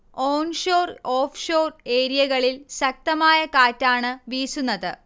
onshore, offshore ഏരിയകളിൽ ശക്തമായ കാറ്റാണ് വീശുന്നത്